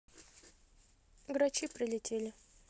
грачи прилетели